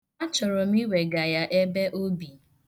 Achọrọ m iwega ya ebe o bi.